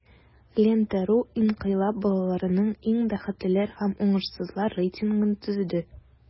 "лента.ру" инкыйлаб балаларының иң бәхетлеләр һәм уңышсызлар рейтингын төзеде.